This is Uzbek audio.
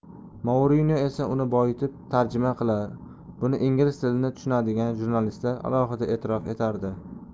mourinyo esa uni boyitib tarjima qilar buni ingliz tilini tushunadigan jurnalistlar alohida e'tirof etardi